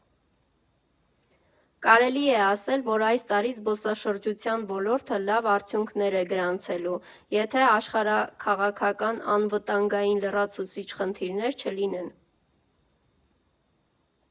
Կարելի է ասել, որ այս տարի զբոսաշրջության ոլորտը լավ արդյունքներ է գրանցելու, եթե աշխարհաքաղաքական անվտանգային լրացուցիչ խնդիրներ չլինեն։